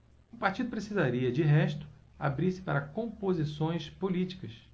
o partido precisaria de resto abrir-se para composições políticas